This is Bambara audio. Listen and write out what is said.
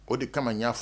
O de kama n y'a fɔ